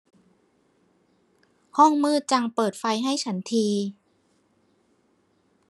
ห้องมืดจังเปิดไฟให้ฉันที